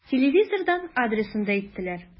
Телевизордан адресын да әйттеләр.